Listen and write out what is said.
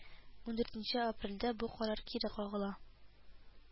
Ундүртенче апрельдә бу карар кире кагыла